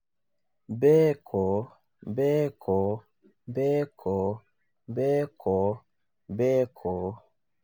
"Bẹ́ẹ̀kọ́, bẹ́ẹ̀kọ́, bẹ́ẹ̀kọ́, bẹ́ẹ̀kọ́ , bẹ́ẹ̀kọ́.